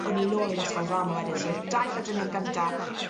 O'n i nôl yn ysgol ddrama wedyn so dau llawdrinieth gynta